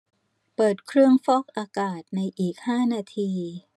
เปิดเครื่องฟอกอากาศในอีกห้านาที